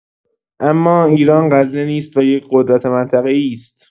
اما ایران غزه نیست و یک قدرت منطقه‌ای است.